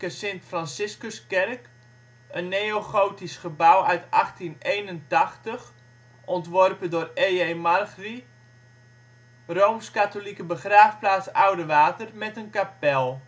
Sint-Franciscuskerk, een neogotisch gebouw uit 1881, ontworpen door E.J. Margry. Rooms-Katholieke begraafplaats Oudewater, met een kapel